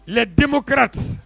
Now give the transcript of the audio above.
Den kɛra ten